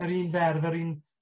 yr un ferf yr un